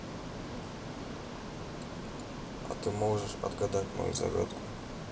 а ты можешь отгадать мою загадку